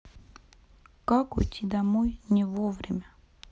как уйти домой не вовремя